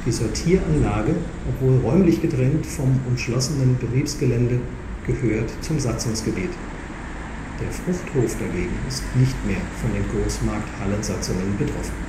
Sortieranlage, obwohl räumlich getrennt vom umschlossenen Betriebsgelände, gehört zum Satzungsgebiet. Der Fruchthof dagegen ist nicht mehr von den Großmarkthallensatzungen betroffen